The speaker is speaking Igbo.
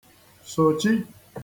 -sòchi